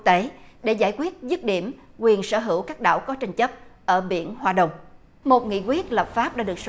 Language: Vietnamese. tế để giải quyết dứt điểm quyền sở hữu các đảo có tranh chấp ở biển hoa đông một nghị quyết lập pháp đã được